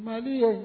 Ba ye